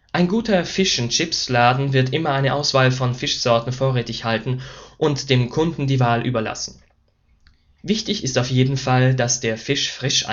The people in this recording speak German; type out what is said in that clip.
Ein guter Fish’ n’ Chips-Laden wird immer eine Auswahl von Fischsorten vorrätig halten und dem Kunden die Wahl überlassen. Wichtig ist auf jeden Fall, dass der Fisch frisch